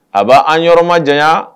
A b'an yɔrɔ ma janya